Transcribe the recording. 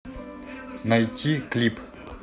найти клип